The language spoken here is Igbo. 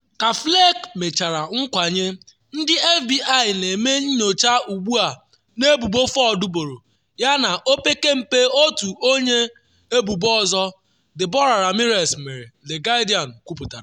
Ka Flake mechara nkwanye, ndị FBI na-eme nyocha ugbu a n’ebubo Ford boro, yana opekempe otu onye ebubo ọzọ, Deborah Ramirez mere, The Guardian kwuputara.